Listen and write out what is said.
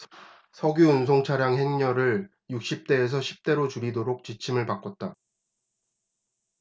석유 운송차량 행렬을 육십 대에서 십 대로 줄이도록 지침을 바꿨다